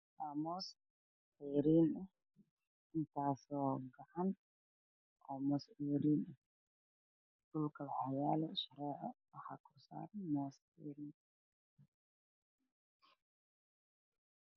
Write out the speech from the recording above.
Meeshaan waxaa yaalo miis waxaa kor saaran moos cayriin ah